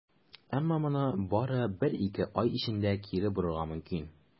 Әмма моны бары бер-ике ай эчендә кире борырга мөмкин.